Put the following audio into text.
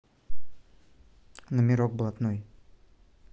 номерок блатной